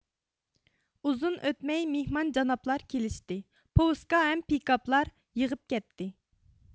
ئۇزۇن ئۆتمەي مېھمان جاناپلار كېلشتى پوۋۈسكا ھەم پىكاپلار يېغىپ كەتتى